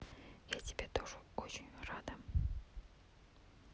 я тебе тоже очень рада